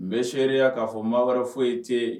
N bɛ seere ko ya k'a fɔ ko ma wɛrɛ foyi tɛ yen.